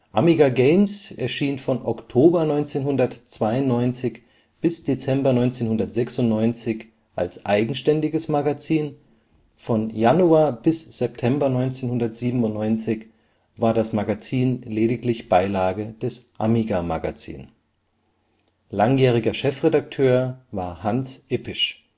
Amiga Games erschien von Oktober 1992 bis Dezember 1996 als eigenständiges Magazin, von Januar 1997 bis September 1997 war das Magazin lediglich Beilage des Amiga-Magazin. Langjähriger Chefredakteur war Hans Ippisch